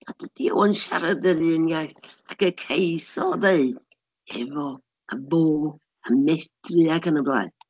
A dydy o yn siarad yr un iaith, ac y ceith o ddeud "efo" a "fo" a "medru", ac yn y blaen.